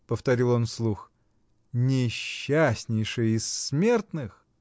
— повторил он вслух, — несчастнейший из смертных!